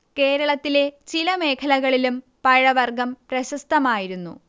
കേരളത്തിലെ ചില മേഖലകളിലും പഴവർഗ്ഗം പ്രശസ്തമായിരുന്നു